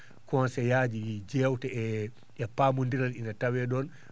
conseil ji jewte e paamodiral ina tawe?on